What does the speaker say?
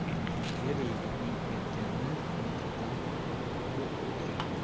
er yigitning aytgani miltiqdan o'q otgani